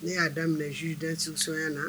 Ne y'a daminɛ mɛn zd sonya na